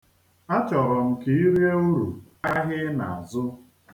Achọrọ m ka i rie uru ahịa ị na-azụ.